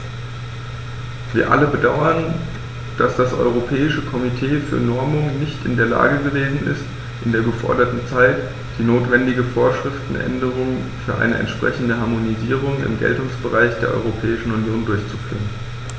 Wir alle bedauern, dass das Europäische Komitee für Normung nicht in der Lage gewesen ist, in der geforderten Zeit die notwendige Vorschriftenänderung für eine entsprechende Harmonisierung im Geltungsbereich der Europäischen Union durchzuführen.